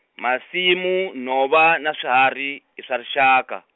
masimu nhova na swihari, i swa rixaka.